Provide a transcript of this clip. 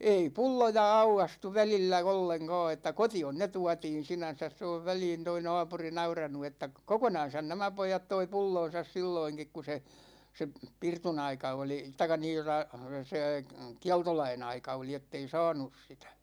ei pulloja aukaistu välillä ollenkaan että kotiin ne tuotiin sinänsä se on väliin tuo naapuri nauranut että kokonansa nämä pojat toi pullonsa silloinkin kun se se pirtunaika oli tai niin tuota se kieltolain aika oli että ei saanut sitä